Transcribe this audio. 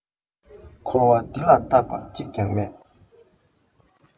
འཁོར བ འདི ལ རྟག པ གཅིག ཀྱང མེད